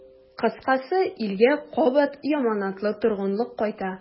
Кыскасы, илгә кабат яманатлы торгынлык кайта.